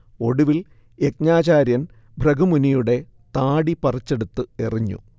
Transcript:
ഒടുവിൽ യജ്ഞാചാര്യൻ ഭൃഗുമുനിയുടെ താടി പറിച്ചെടുത്ത് എറിഞ്ഞു